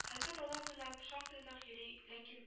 Хәлфә дала буйлап шактый озак йөри, ләкин б